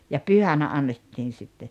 ja pyhänä annettiin sitten